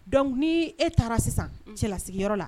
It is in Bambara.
Dɔnkuc n' e taara sisan cɛlasigiyɔrɔ la